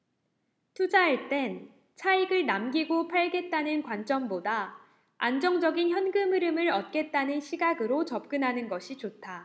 투자할 땐 차익을 남기고 팔겠다는 관점보다 안정적인 현금흐름을 얻겠다는 시각으로 접근하는 것이 좋다